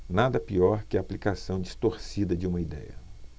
nada pior que a aplicação distorcida de uma idéia